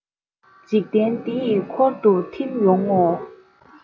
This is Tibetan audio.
འཇིག རྟེན འདི ཡི འཁོར དུ ཐིམ ཡོང ངོ